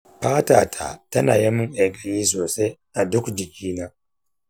fata ta tana yi min ƙaiƙayi sosai a duk jikina.